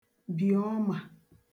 bì ọmà